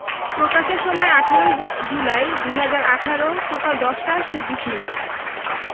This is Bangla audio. প্রকাশের সময় ১ই জুলাই ২০১৮ সকাল ১০টা ২৪ মিনিট